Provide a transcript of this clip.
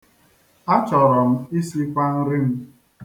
Achọrọ m isikwa nri m.